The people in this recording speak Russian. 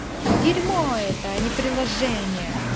дерьмо это а не приложение